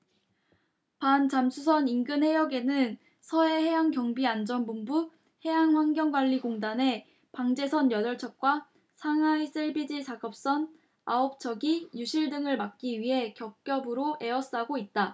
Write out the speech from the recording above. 반잠수선 인근해역에는 서해해양경비안전본부 해양환경관리공단의 방제선 여덟 척과 상하이 샐비지 작업선 아홉 척이 유실 등을 막기 위해 겹겹으로 에워싸고 있다